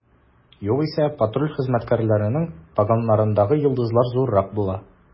Югыйсә, патруль хезмәткәрләренең погоннарындагы йолдызлар зуррак була.